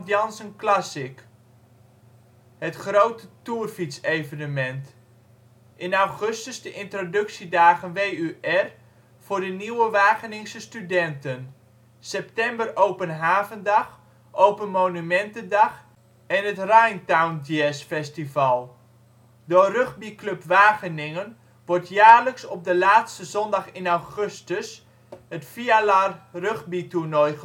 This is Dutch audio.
Janssen Classic, het grote toerfietsevenement. In augustus de Introductiedagen WUR (AID) voor de nieuwe Wageningse studenten. September Open Havendag, Open Monumentendag en het Rhine Town Jazz Festival. Door Rugbyclub Wageningen wordt jaarlijks op de laatste zondag in augustus het FIALAR-rugbytoernooi georganiseerd